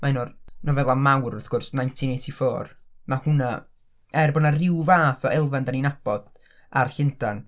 Mae un o'r nofelau mawr wrth gwrs nineteen eighty four, ma' hwnna, er bod 'na ryw fath o elfen dan ni'n nabod ar Llundain